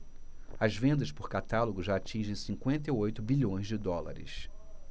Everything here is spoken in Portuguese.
as vendas por catálogo já atingem cinquenta e oito bilhões de dólares